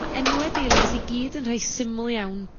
Ma' enwe dahlias i gyd yn rhai syml iawn